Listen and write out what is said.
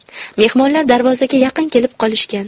mehmonlar darvozaga yaqin kelib qolishgan